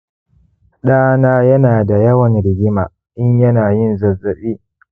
dana yanada yawan rigima in yanayin zazzabi